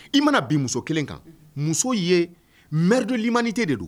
I mana bin muso kelen kan muso ye md limaniin tɛ de don